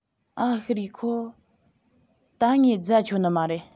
ཨ ཤི རེ ཁོ ད ངས རྫ ཆོད ནི མ རེད